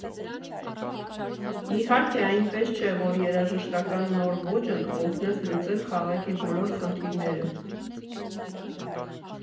Իհարկե, այնպես չէ, որ երաժշտական նոր ոճն օգնեց լուծել քաղաքի բոլոր խնդիրները։